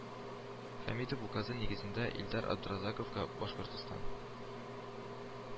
Хәмитов указы нигезендә Илдар Абдразаковка Башкортстан